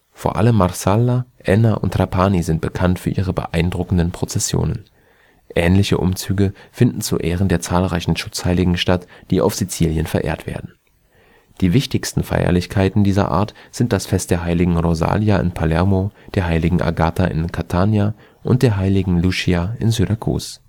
Vor allem Marsala, Enna und Trapani sind bekannt für ihre beeindruckenden Prozessionen. Ähnliche Umzüge finden zu Ehren der zahlreichen Schutzheiligen statt, die auf Sizilien verehrt werden. Die wichtigsten Feierlichkeiten dieser Art sind das Fest der Heiligen Rosalia in Palermo, der Heiligen Agata in Catania und der Heiligen Lucia in Syrakus